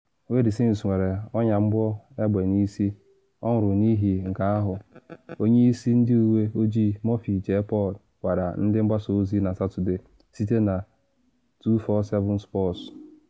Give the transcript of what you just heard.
“Wayde Sims nwere ọnya mgbọ egbe n’isi, ọ nwụrụ n’ihi nke ahụ,” onye isi ndị uwe ojii Murphy J. Paul gwara ndị mgbasa ozi na Satọde, site na 247sports.